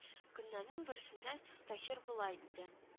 Көннәрнең берсендә Таһир болай диде: